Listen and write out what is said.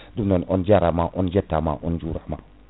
ɗum noon onn jaarama on jettama on jurama